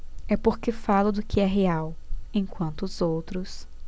é porque falo do que é real enquanto os outros